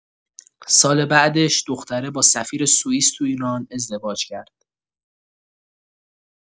سال بعدش دختره با سفیر سوئیس تو ایران ازدواج کرد.